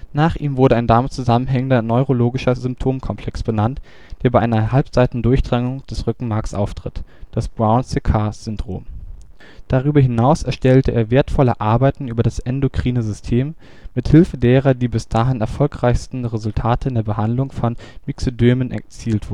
Nach ihm wurde ein damit zusammenhängender neurologischer Symptomkomplex benannt, der bei einer Halbseitendurchtrennung des Rückenmarks auftritt: das Brown-Séquard-Syndrom. Darüberhinaus erstellte er wertvolle Arbeiten über das endokrine System, mithilfe derer die bis dahin erfolgreichsten Resultate in der Behandlung von Myxödemen erzielt wurden